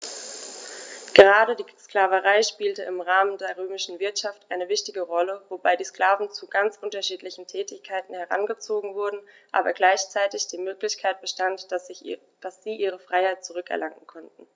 Gerade die Sklaverei spielte im Rahmen der römischen Wirtschaft eine wichtige Rolle, wobei die Sklaven zu ganz unterschiedlichen Tätigkeiten herangezogen wurden, aber gleichzeitig die Möglichkeit bestand, dass sie ihre Freiheit zurück erlangen konnten.